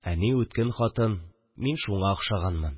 Әни үткен хатын – мин шуңа охшаганмын